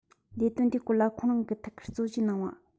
ལས དོན འདིའི སྐོར ལ ཁོང རང གིས ཐུགས ཁུར གཙོར བཞེས གནང བ